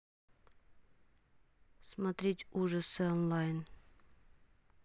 смотреть ужасы онлайн